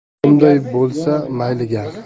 unday bo'lsa mayliga